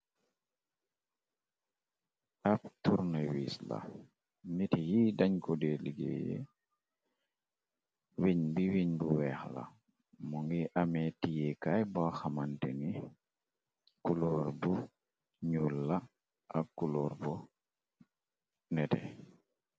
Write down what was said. Ap turr ne wissla, medé dangko day legeye. Wenj bii wenj bu weex la, mungi ameh tiiyé kai bu xamantiné kuloor bu ñuul la ak kuloor bu nete.